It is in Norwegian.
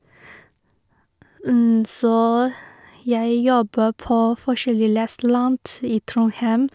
Så jeg jobber på forskjellige restauranter i Trondheim.